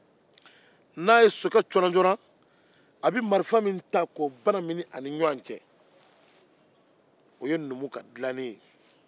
numu b'o dila k'a di masakɛ ma